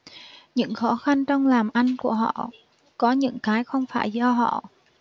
những khó khăn trong làm ăn của họ có những cái không phải do họ